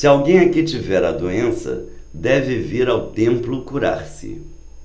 se alguém aqui tiver a doença deve vir ao templo curar-se